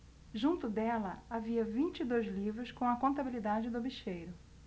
junto dela havia vinte e dois livros com a contabilidade do bicheiro